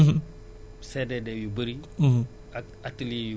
def nañ ci ay CRD yu bëri